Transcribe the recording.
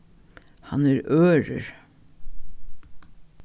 hann er ørur